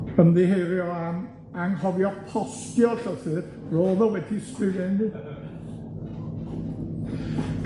Ymddiheurio am anghofio postio'r llythyr ro'dd o wedi sgrifennu.